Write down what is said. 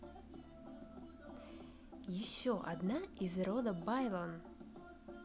еще одна из рода boylan